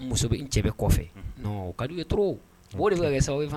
Muso kɔfɛ ka de fɛ